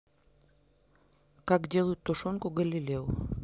как делают тушенку галилео